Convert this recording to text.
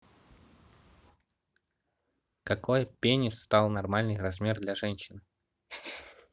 какой пенис стал нормальный размер для женщины